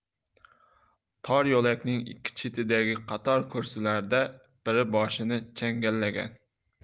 tor yo'lakning ikki chetidagi qator kursilarda biri boshini changallagan